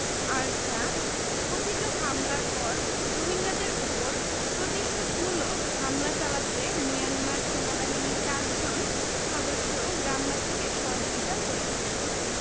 ARSA কথিত হামলার পর রোহিঙ্গাদের ওপর প্রতিশোধমূলক হামলা চালাতে মিয়ানমার সেনাবাহিনীর চারজন সদস্য গ্রামবাসীকে সহযোগিতা করেছে